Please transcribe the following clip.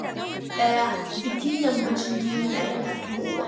1. Bikin Yammacin duniya yana tahowa.